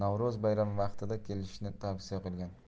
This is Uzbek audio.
navro'z bayrami vaqtida kelishni tavsiya qilgan